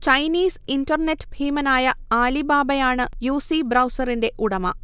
Chinese internet ഭീമനായ ആലിബാബയാണ് UC ബ്രൗസറിന്റെ ഉടമ